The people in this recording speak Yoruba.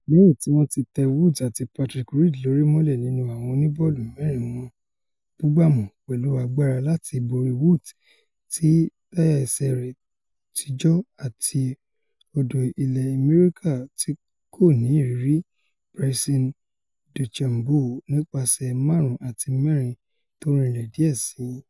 Léyìn tíwọ́n ti tẹ Woods àti Patrick Reed lórí mọ́lẹ̀ nínú àwọn oníbọ́ọ̀lù-mẹ́rin wọn búgbàmu pẹ̀lú agbára láti borí Woods tí táyà ẹsẹ̀ rẹ̀ tijò àti ọ̀dọ́ ilẹ̀ Amẹrika tíkòni ìrírí Bryson Dechambeau nípaṣẹ̀ 5 àti 4 tórinlẹ̀ díẹ̀ síi.